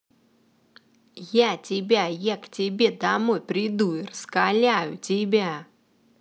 я тебя я к тебе домой приду и раскаляю тебя